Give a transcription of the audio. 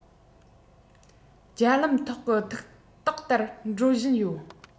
རྒྱ ལམ ཐོག གི ཐིག རྟགས ལྟར འགྲོ བཞིན ཡོད